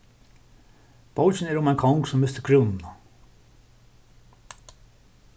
bókin er um ein kong sum misti krúnuna